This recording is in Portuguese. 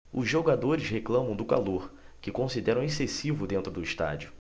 os jogadores reclamam do calor que consideram excessivo dentro do estádio